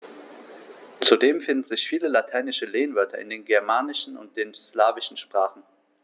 Zudem finden sich viele lateinische Lehnwörter in den germanischen und den slawischen Sprachen.